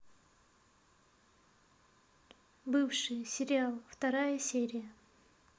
бывшие сериал вторая серия